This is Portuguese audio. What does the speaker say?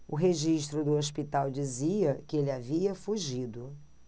o registro do hospital dizia que ele havia fugido